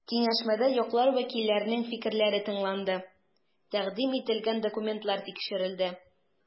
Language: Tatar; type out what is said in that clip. Киңәшмәдә яклар вәкилләренең фикерләре тыңланды, тәкъдим ителгән документлар тикшерелде.